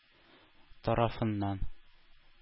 Тарафыннан